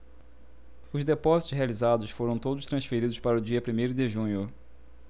os depósitos realizados foram todos transferidos para o dia primeiro de junho